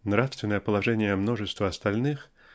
Нравственное положение множества остальных